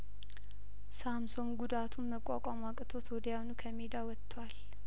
ሳምሶን ጉዳቱን መቋቋም አቅቶት ወዲያውኑ ከሜዳ ወቷል